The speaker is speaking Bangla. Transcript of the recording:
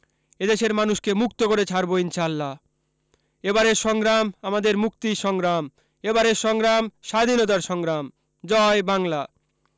এদেশের মানুষ কে মুক্ত করে ছাড়ব ইনশাল্লাহ এবারের সংগ্রাম আমাদের মুক্তির সংগ্রাম এবারের সংগ্রাম স্বাধীনতার সংগ্রামজয় বাংলা